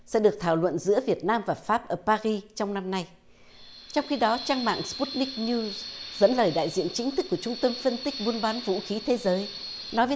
sẽ được thảo luận giữa việt nam và pháp ở ba ri trong năm nay trong khi đó trang mạng sờ bút ních niu dẫn lời đại diện chính thức của trung tâm phân tích buôn bán vũ khí thế giới nói với